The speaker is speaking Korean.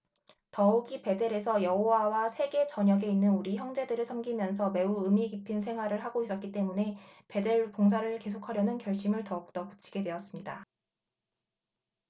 더욱이 베델에서 여호와와 세계 전역에 있는 우리 형제들을 섬기면서 매우 의미 깊은 생활을 하고 있었기 때문에 베델 봉사를 계속하려는 결심을 더욱더 굳히게 되었습니다